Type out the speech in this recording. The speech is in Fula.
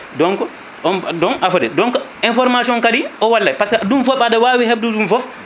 donc donc information kadi o walle pasque ɗum foof ɓaade wawi hebde ɗum foof